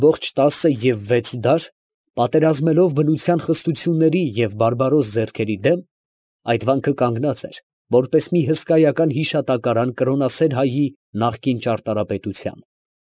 Ամբողջ տասն և վեց դար, պատերազմելով բնության խստությունների և բարբարոս ձեռքերի դեմ, այդ վանքը կանգնած էր, որպես մի հսկայական հիշատակարան կրոնասեր հայի նախկին ճարտարապետության։